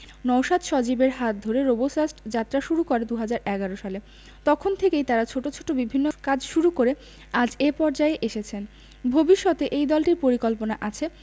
নওশাদ সজীবের হাত ধরে রোবোসাস্ট যাত্রা শুরু করে ২০১১ সালে তখন থেকেই তারা ছোট ছোট বিভিন্ন কাজ শুরু করে আজ এ পর্যায়ে এসেছেন ভবিষ্যতে এই দলটির পরিকল্পনা আছে